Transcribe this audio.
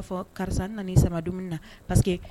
I y'a fɔ karisa nana ni sama dumuni na pa